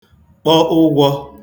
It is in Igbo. kpọ ụgwọ̄